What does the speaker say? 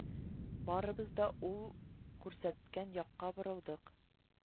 Барыбыз да ул күрсәткән якка борылдык